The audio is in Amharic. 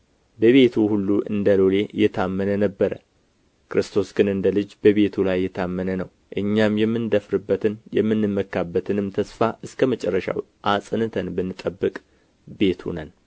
በቤቱ ሁሉ እንደ ሎሌ የታመነ ነበረ ክርስቶስ ግን እንደ ልጅ በቤቱ ላይ የታመነ ነው እኛም የምንደፍርበትን የምንመካበትንም ተስፋ እስከ መጨረሻው አጽንተን ብንጠብቅ ቤቱ ነን